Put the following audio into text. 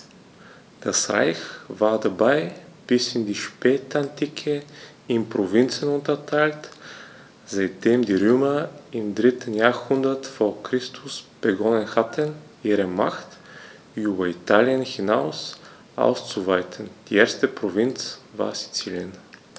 Das Reich war dabei bis in die Spätantike in Provinzen unterteilt, seitdem die Römer im 3. Jahrhundert vor Christus begonnen hatten, ihre Macht über Italien hinaus auszuweiten (die erste Provinz war Sizilien).